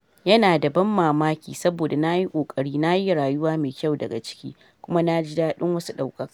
Yana da ban mamaki saboda na yi kokari, na yi rayuwa mai kyau daga ciki, kuma na ji dadin wasu daukaka.